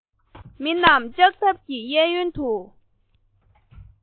མི རྣམས ལྕགས ཐབ ཀྱི གཡས གཡོན དུ